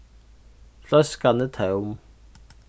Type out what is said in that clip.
fløskan er tóm